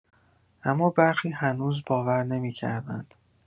اما برخی هنوز باور نمی‌کردند.